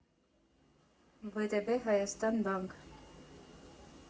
ՎՏԲ Հայաստան Բանկն։